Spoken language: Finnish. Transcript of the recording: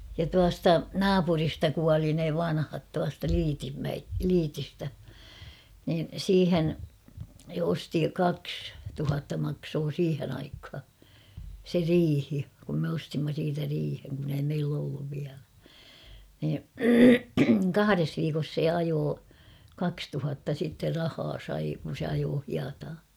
ja tuosta naapurista kuoli ne vanhat tuosta Lyytinmäen Lyytistä niin siihen se osti kaksi tuhatta maksoi siihen aikaan se riihi kun me ostimme siitä riihen kun ei meillä ollut vielä niin kahdessa viikossa se ajoi kaksituhatta sitten rahaa sai kun se ajoi hietaa